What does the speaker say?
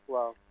waaw